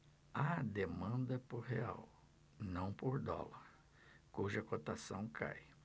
há demanda por real não por dólar cuja cotação cai